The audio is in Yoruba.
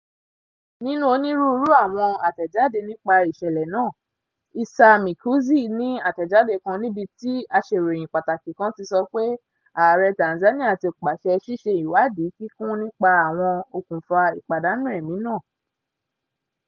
Nìnú onírúurú àwọn àtẹ̀jáde nípa ìṣẹ̀lẹ̀ náà, Issa Michuzi ní àtẹ̀jáde kan níbi tí aṣeròyìn pàtàkì kan ti sọ pé Aàre Tanzania ti páṣẹ ṣíṣe ìwádìí kíkún nípa àwọn okùnfa ìpádànù ẹ̀mí náà.